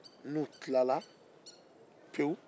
n'u tilala pewu